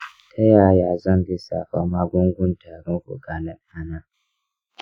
ta yaya zan lissafa magungun tarin fuka na ɗana?